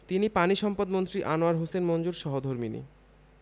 তিনি পানিসম্পদমন্ত্রী আনোয়ার হোসেন মঞ্জুর সহধর্মিণী